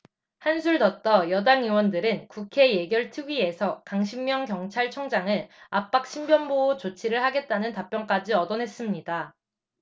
한술 더 떠 여당 의원들은 국회 예결특위에서 강신명 경찰청장을 압박 신변보호 조치를 하겠다는 답변까지 얻어냈습니다